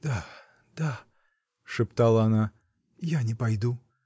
— Да, да, — шептала она, — я не пойду.